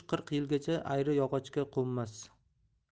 qirq yilgacha ayri yog'ochga qo'nmas